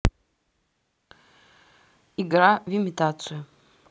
игра в имитацию